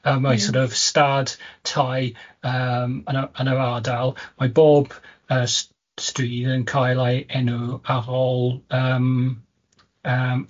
a mae sor' of stad tai yym yn y yn yr ardal... Mae bob yy st- stryd yn cael ei enw ar ôl yym, yym adar.